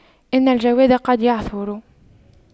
إن الجواد قد يعثر